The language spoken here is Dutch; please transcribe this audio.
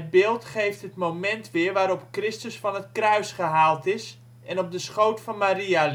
beeld geeft het moment weer waarop Christus van het kruis gehaald is en op de schoot van Maria